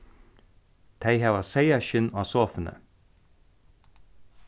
tey hava seyðaskinn á sofuni